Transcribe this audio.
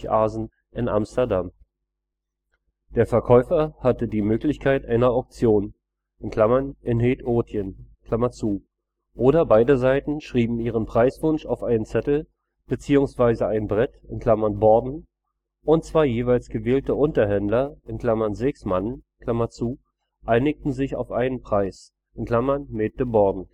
Asen in Amsterdam). Der Verkäufer hatte die Möglichkeit einer Auktion (in het ootjen) oder beide Seiten schrieben ihren Preiswunsch auf einen Zettel bzw. ein Brett (borden) und zwei jeweils gewählte Unterhändler (seghsmannen) einigten sich auf einen Preis (met de Borden